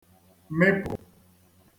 mịpụ̀